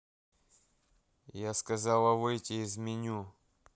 я сказала выйти из меню